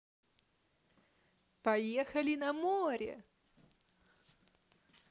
поехали на море